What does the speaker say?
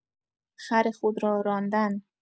خر خود را راندن